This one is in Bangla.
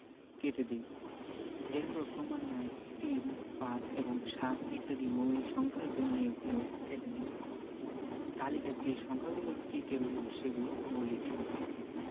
কেটে দেই এরপর ক্রমান্বয়ে ৩ ৫ এবং ৭ ইত্যাদি মৌলিক সংখ্যার গুণিতকগুলো কেটে দিই তালিকায় যে সংখ্যাগুলো টিকে রইল সেগুলো মৌলিক সংখ্যা